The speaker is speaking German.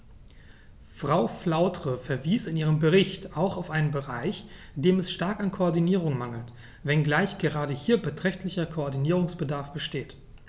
Frau Flautre verwies in ihrem Bericht auch auf einen Bereich, dem es stark an Koordinierung mangelt, wenngleich gerade hier beträchtlicher Koordinierungsbedarf besteht.